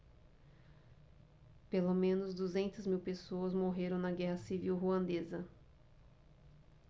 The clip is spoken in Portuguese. pelo menos duzentas mil pessoas morreram na guerra civil ruandesa